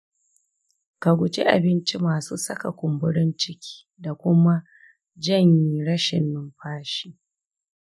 ka guji abinci masu saka kumburin ciki da kuma janyi rashin numfashi.